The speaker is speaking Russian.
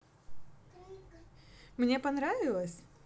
мне понравилось